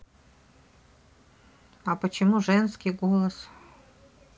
а почему женский голос